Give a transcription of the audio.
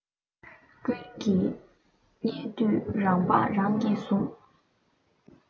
ཀུན གྱིས བརྙས དུས རང དཔའ རང གིས ཟུངས